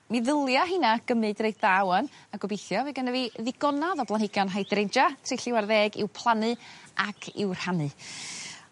Mi ddylia rhina gymyd reit dda 'wan a gobeithio fy' gynno fi ddigonadd o blanhigion hydrangea trilliw ar ddeg i'w plannu ac i'w rhannu.